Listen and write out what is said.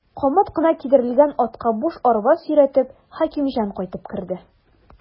Камыт кына кидерелгән атка буш арба сөйрәтеп, Хәкимҗан кайтып керде.